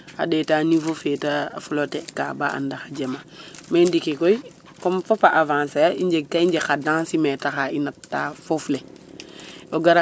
A ɗeeta niveau fe ta flotter ka ba and ndax a jema mais ndiiki koy comme fop a avancer i njeg ka njeg xa densimétre xa i nattaa foof le .